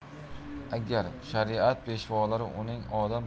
agar shariat peshvolari uning odam